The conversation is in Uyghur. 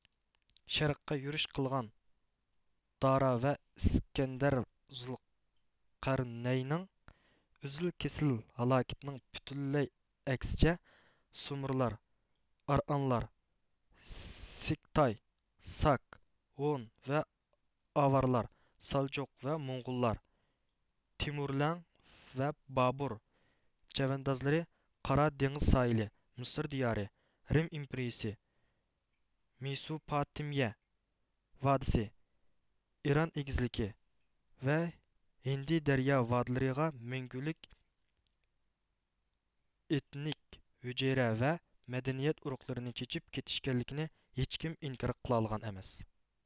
شەرققە يۈرۈش قىلغان دارا ۋە ئىسكەندەر زۇلقەر نەيىننىڭ ئۈزۈل كېسىل ھالاكىتىنىڭ پۈتۈنلەي ئەكسىچە سۇمېرلار ئارىئانلار سىكىتاي ساك ھون ۋە ئاۋارلار سالجۇق ۋە موڭغۇللار تېمۈرلەڭ ۋە بابۇر چەۋەندازلىرى قارا دېڭىز ساھىلى مىسىر دىيارى رىم ئىمپېرىيىسى مىسۇپۇتامىيە ۋادىسى ئىران ئېگىزلىكى ۋە ھىند دەريا ۋدىلىرىغا مەڭگۈلۈك ئېتنىك ھۈجەيرە ۋە مەدەنىيەت ئۇرۇقلىرى چېچىپ كېتىشكەنلىكىنى ھېچكىم ئىنكار قىلالىغان ئەمەس